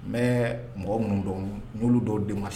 N bɛ mɔgɔ minnu don n'olu don denw ma